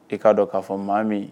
I ka dɔn k'a fɔ maa min